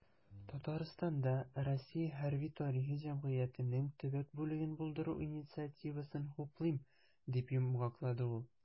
"татарстанда "россия хәрби-тарихи җәмгыяте"нең төбәк бүлеген булдыру инициативасын хуплыйм", - дип йомгаклады ул.